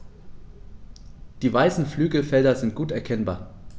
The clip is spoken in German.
Die weißen Flügelfelder sind gut erkennbar.